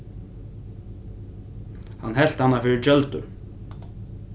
hann helt hana fyri gjøldur